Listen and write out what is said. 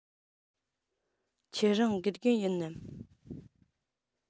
ཁྱེད རང དགེ རྒན ཡིན ནམ